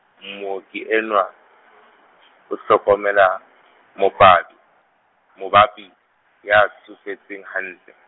mooki enwa, o hlokomela mopadi-, mobabi, ya tsofetseng hantle.